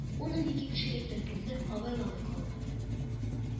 Ун-унике кешелек төркемне абайламый калмады